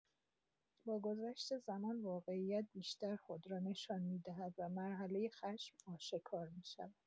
با گذشت زمان، واقعیت بیشتر خود را نشان می‌دهد و مرحله خشم آشکار می‌شود.